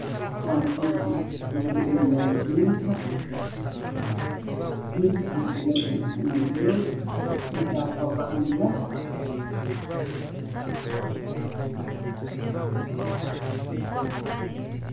Waa geedkii lagu dheelaayay geemka midabkiisu yahay madaw midkaasoo badan leh